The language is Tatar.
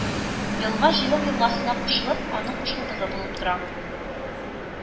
Елга Җилем елгасына кушылып, аның кушылдыгы булып тора